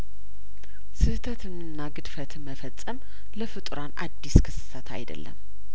ስህተትንና ግድፈትን መፈጸም ለፍጡራን አዲስ ክስተት አይደለም